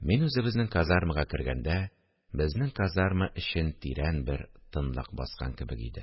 Мин үзебезнең казармага кергәндә, безнең казарма эчен тирән бер тынлык баскан кебек иде